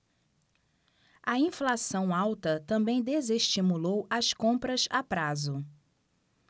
a inflação alta também desestimulou as compras a prazo